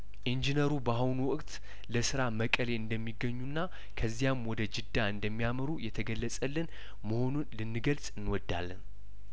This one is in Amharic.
ኢንጂነሩ በአሁኑ ወቅት ለስራ መቀሌ እንደሚገኙና ከዚያም ወደ ጅዳ እንደሚያመሩ የተገለጸልን መሆኑን ልንገልጽ እንወዳለን